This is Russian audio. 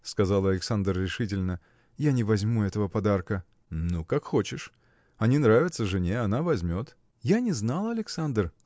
– сказал Александр решительно, – я не возьму этого подарка. – Ну, как хочешь! они нравятся жене: она возьмет. – Я не знала Александр